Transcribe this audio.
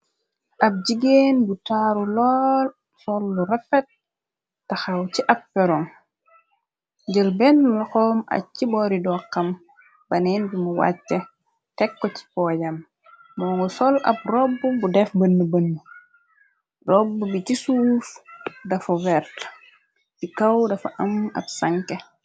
Ab jigeen bu taaru lool, sol lu rafat taxaw ci ab peron, jël benn loxoom aj ci boori doxam, baneen bi mu wàcce tekko ci poojam, moo ngu sol ab robbu bu def bën-bën, robbu bi ci suuf dafa werta, di kaw dafa am ab sanke.